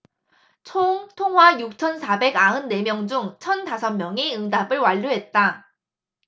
총 통화 육천 사백 아흔 네 명 중 천 다섯 명이 응답을 완료했다